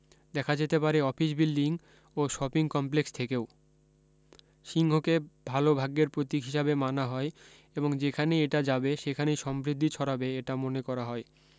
দেখা যেতে পারে অফিস বিল্ডিং ও শপিং কমপ্লেক্স থেকেও সিংহকে ভালো ভাগ্যের প্রতীক হিসাবে মানা হয় এবং যেখানেই এটা যাবে সেখানেই সমৃদ্ধি ছড়াবে এটা মনে করা হয়